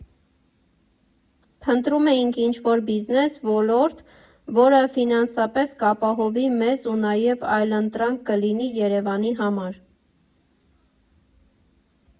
Փնտրում էինք ինչ֊որ բիզնես ոլորտ, որը ֆինանսապես կապահովի մեզ ու նաև այլընտրանք կլինի Երևանի համար։